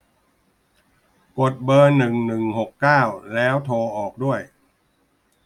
กดเบอร์หนึ่งหนึ่งหกเก้าแล้วโทรออกด้วย